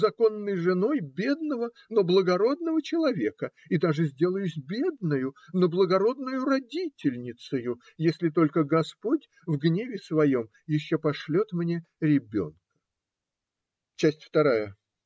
Законною женою бедного, но благородного человека, и даже сделаюсь бедною, но благородною родительницею, если только господь во гневе своем еще пошлет мне ребенка. Часть вторая.